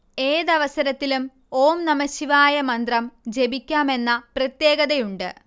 ഏതവസരത്തിലും ഓം നമഃശിവായ മന്ത്രം ജപിക്കാമെന്ന പ്രത്യേകതയുണ്ട്